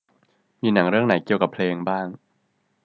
มีหนังเรื่องไหนเกี่ยวกับเพลงบ้าง